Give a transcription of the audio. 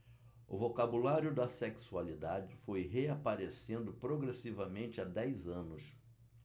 o vocabulário da sexualidade foi reaparecendo progressivamente há dez anos